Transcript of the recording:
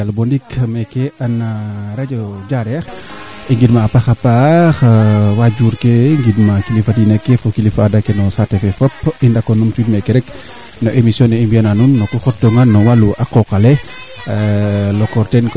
rek bo tax i mbuga nga ley ne niig ke ndeto geena fo mam wiin we ngenjno xoogu pour neede mbarna njalit no ndiig wagaamo ley eetu maak we ando naye ngaa nje'u a ndeet lax